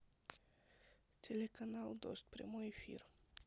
телеканал дождь прямой эфир